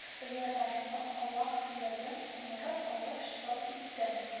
Өер башының калак сөяген умырып алып чыгып китте